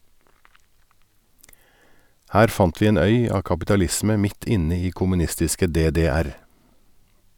Her fant vi en øy av kapitalisme midt inne i kommunistiske DDR.